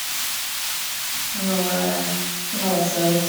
Og var også hos...